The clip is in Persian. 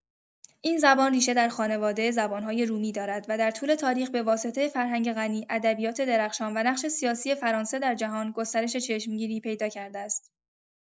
این زبان ریشه در خانواده زبان‌های رومی دارد و در طول تاریخ به واسطه فرهنگ غنی، ادبیات درخشان و نقش سیاسی فرانسه در جهان، گسترش چشمگیری پیدا کرده است.